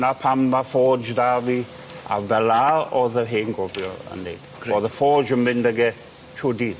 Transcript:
'Na pam ma' forge 'da fi a fel 'a o'dd y hen gofio yn neud. Grêt. O'dd y forge yn mynd ag e trw'r dydd.